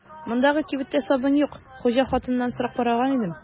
Мондагы кибеттә сабын юк, хуҗа хатыннан сорап караган идем.